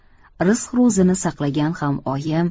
rizq ro'zini saqlagan ham oyim